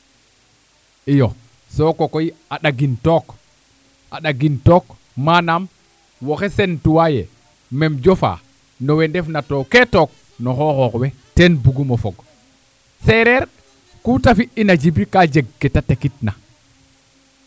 iyo sokoy a ɗagin took a ɗagin took manaam woxey sentuwa yee meem jofaa no we ndefna took ee no xooxoox we ten bugum o fog seereer kuu ta fi'ina Djiby ka jeg kee ta tekitna